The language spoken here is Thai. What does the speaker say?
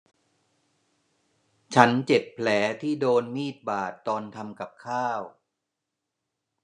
ฉันเจ็บแผลที่โดนมีดบาดตอนทำกับข้าว